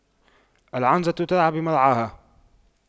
العنزة ترعى بمرعاها